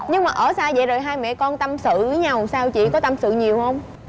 nhưng mà ở xa vậy rồi hai mẹ con tâm sự với nhau sao chị có tâm sự nhiều hông